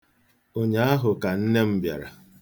Ụnyaahụ ka nne m bịara.